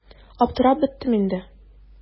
Аптырап беттем инде.